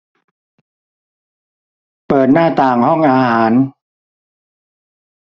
เปิดหน้าต่างห้องอาหาร